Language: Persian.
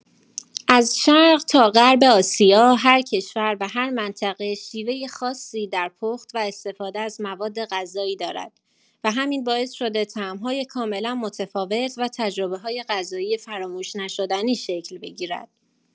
از شرق تا غرب آسیا، هر کشور و هر منطقه شیوه خاصی در پخت و استفاده از موادغذایی دارد و همین باعث شده طعم‌های کاملا متفاوت و تجربه‌های غذایی فراموش‌نشدنی شکل بگیرد.